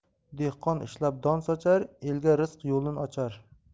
dehqon ishlab don sochar elga rizq yo'lin ochar